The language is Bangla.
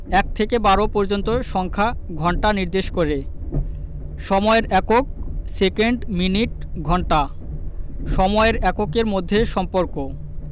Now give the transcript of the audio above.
১ থেকে ১২ পর্যন্ত সংখ্যা ঘন্টা নির্দেশ করে সময়ের এককঃ সেকেন্ড মিনিট ঘন্টা সময়ের এককের মধ্যে সম্পর্কঃ